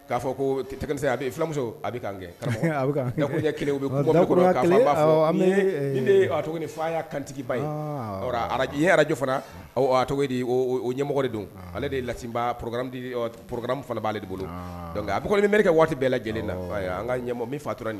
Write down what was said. K'a fɔ ko a bɛ fulamuso a bɛ kɛ'a fɔ faya kantigiba ye araji arajfɔto de o ɲɛmɔgɔ de don ale de ye labami fana b'ale de boloke a kɔni bɛ kɛ waati bɛɛ lajɛ lajɛlen na an ka min fatura